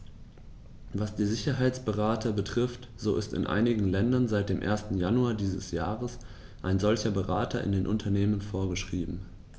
Was die Sicherheitsberater betrifft, so ist in einigen Ländern seit dem 1. Januar dieses Jahres ein solcher Berater in den Unternehmen vorgeschrieben.